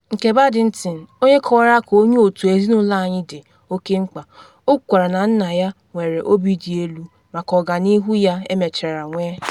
Nke Paddington, onye kọwara ka “onye otu ezinụlọ anyị dị oke mkpa,” o kwukwara na nna ya nwere obi dị elu maka ọganihu ya emechara nwee.